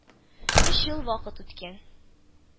Өч ел вакыт үткән